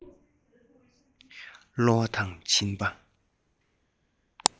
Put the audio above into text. གློ བ དང མཆིན པ